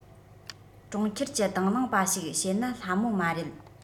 གྲོང ཁྱེར གྱི དང བླངས པ ཞིག བྱེད ན སླ མོ མ རེད